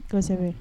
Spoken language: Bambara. Kosɛbɛ